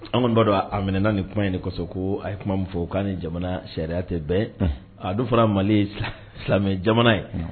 An kɔnibaadɔ a minɛ ni kuma ye de kosɔn ko a ye kuma fɔ k'a ni jamana sariya tɛ bɛn a dɔ fana mali silamɛ jamana ye